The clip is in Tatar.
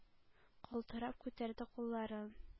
Калтырап, күтәрде кулларын.